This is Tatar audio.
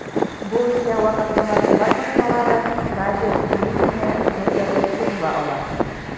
Бу эштә вакытлы матбугат басмалары, радио-телевидение зур ярдәмче була ала.